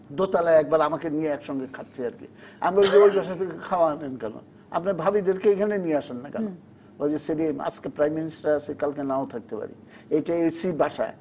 দোতলা একবার আমাকে নিয়ে একসঙ্গে খাচ্ছে আর কি আমি বললাম ওই বাসা থেকে খাওয়া আনেন কেন আপনার ভাবিদের কে এখানে নিয়ে আসেন না কেন বলছে সেলিম আজকে প্রাইম মিনিস্টার আছি কালকে নাও থাকতে পারি এটা এসি বাসা